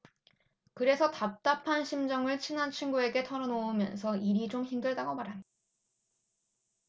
그래서 답답한 심정을 친한 친구에게 털어놓으면서 일이 좀 힘들다고 말합니다